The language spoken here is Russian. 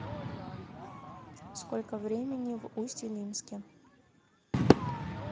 сколько времени в усть илимске